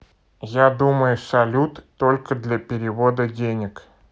я думаю салют только для перевода денег